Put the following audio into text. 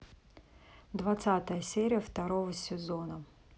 двадцатая серия второго сезона